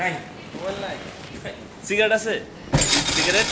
নাই মোবাইল নাই নাই সিগারেট আছে সিগারেট